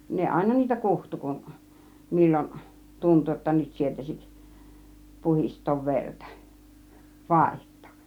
ne aina niitä kutsui kun milloin tuntui jotta nyt sietäisi puhdistaa verta vaihtaa